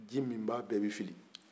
ji minbaga bɛɛ bɛ fili